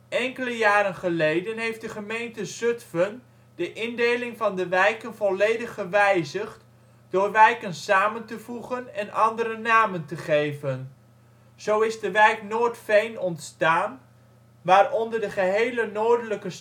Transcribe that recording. Enkele jaren geleden heeft de gemeente Zutphen de indeling van de wijken volledig gewijzigd door wijken samen te voegen en andere namen te geven. Zo is de wijk ' Noordveen ' ontstaan waaronder de gehele noordelijke stad